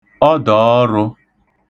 ọdọ̀ọrụ̄